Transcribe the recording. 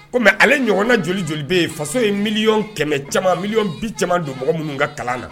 Kɔmi ale ɲɔgɔn na joli joli bɛ yen faso ye miliyɔn kɛmɛ miyɔn bi caman don mɔgɔ minnu ka kalan na